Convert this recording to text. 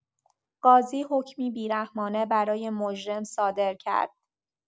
قاضی حکمی بی‌رحمانه برای مجرم صادر کرد.